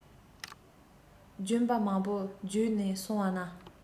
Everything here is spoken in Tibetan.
ལྗོན པ མང པོ བརྒྱུད ནས སོང བ ན